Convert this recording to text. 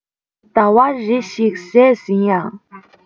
ཟླ བ རེ ཞིག གཟས ཟིན ཡང